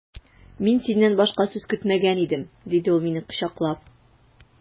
Мин синнән башка сүз көтмәгән идем, диде ул мине кочаклап.